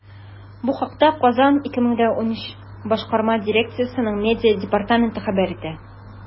Бу хакта “Казан 2013” башкарма дирекциясенең медиа департаменты хәбәр итә.